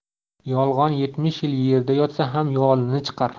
yolg'on yetmish yil yerda yotsa ham yolini chiqar